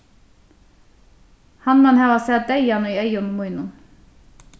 hann man hava sæð deyðan í eygum mínum